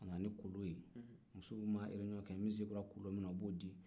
a nana ni kolon ye musow mana lajɛ kɛ min se kɛra kolon min ye o b'o di